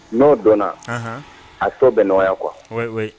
N nɔ donna a tɔ bɛ nɔgɔya yan qu